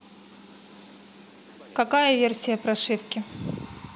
какая версия прошивки